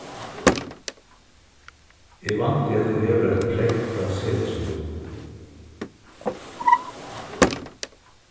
eg vænti at tú hevur eitt prógv frá setrinum